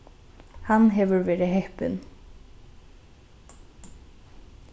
hann hevur verið heppin